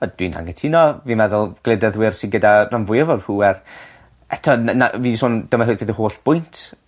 Yy dwi'n anghytuno fi'n meddwl gwleidyddwyr sy gyda rhan fwyaf o'r pŵer eto ny- na fi 'di sôn dyma beth fydd y holl bwynt